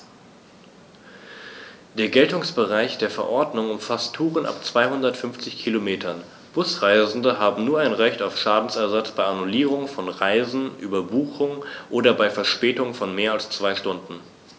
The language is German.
Der Geltungsbereich der Verordnung umfasst Touren ab 250 Kilometern, Busreisende haben nun ein Recht auf Schadensersatz bei Annullierung von Reisen, Überbuchung oder bei Verspätung von mehr als zwei Stunden.